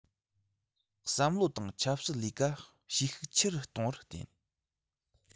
བསམ བློ དང ཆབ སྲིད ལས ཀ བྱེད ཤུགས ཆེ རུ གཏོང བར བརྟེན